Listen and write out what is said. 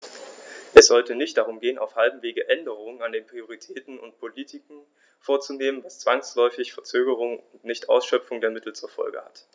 Es sollte nicht darum gehen, auf halbem Wege Änderungen an den Prioritäten und Politiken vorzunehmen, was zwangsläufig Verzögerungen und Nichtausschöpfung der Mittel zur Folge hat.